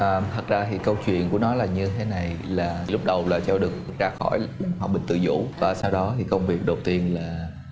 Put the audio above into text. à thật ra thì câu chuyện của nó là như thế này là lúc đầu là châu được ra khỏi học bệnh từ dũ và sau đó thì công việc đầu tiên là